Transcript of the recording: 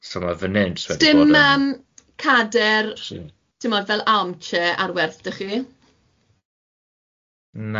So ma .. S'dim yym cader ti'mod fel armcher ar werth dach chi?